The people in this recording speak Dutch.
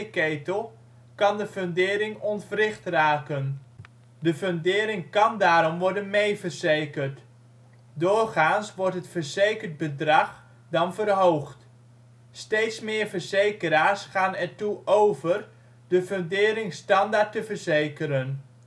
ketel) kan de fundering ontwricht raken. De fundering kan daarom worden meeverzekerd. Doorgaans wordt het verzekerd bedrag dan verhoogd. Steeds meer verzekeraars gaan ertoe over de fundering standaard te verzekeren